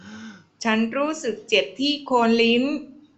ฉันรู้สึกเจ็บที่โคนลิ้น